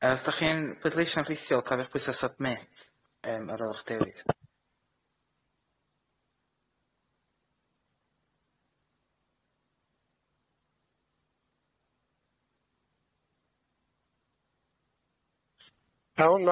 Yy os 'dach chi'n bleidleishio'n rhithiol cofiwch pwyso submit yym ar ôl 'ych dewis.